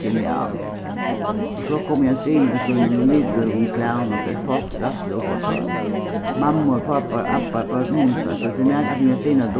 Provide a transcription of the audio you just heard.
genialt og so kom jensina í sínum litríkum klæðum og fekk fólk rættiliga upp á tá mammur pápar abbar børn hundar tí tað er nakað sum jensina